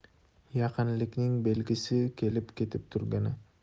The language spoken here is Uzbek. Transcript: yaqinlikning belgisi kelib ketib turgani